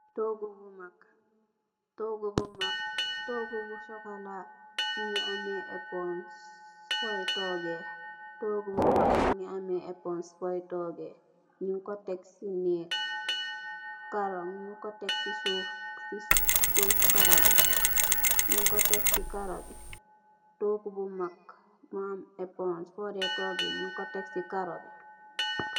Toguh bu mak, bu sokola mugeh am epós fuy tóógeh, ñiñ ko tek ci karó bi .